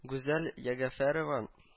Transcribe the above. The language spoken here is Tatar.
Гүзәл Ягәфәрова